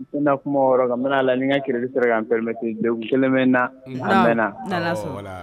N be na kuma o yɔrɔɔ la, n bɛna lajɛ ni n ka crédit sera k'a n permet degun 1 bɛ n na, naamu, a mɛɛ na, n'Ala sɔnna, awɔ, voilà